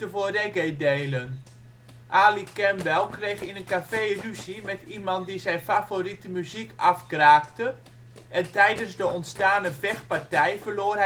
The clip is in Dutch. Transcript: voor reggae delen. Ali Campbell kreeg in een café ruzie met iemand die zijn favoriete muziek afkraakte en tijdens de ontstane vechtpartij verloor